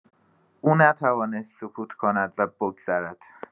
او نتوانست سکوت کند و بگذرد؛